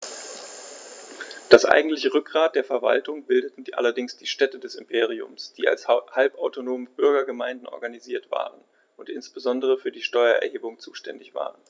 Das eigentliche Rückgrat der Verwaltung bildeten allerdings die Städte des Imperiums, die als halbautonome Bürgergemeinden organisiert waren und insbesondere für die Steuererhebung zuständig waren.